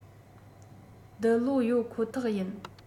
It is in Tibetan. རྡུལ གློ ཡོད ཁོ ཐག ཡིན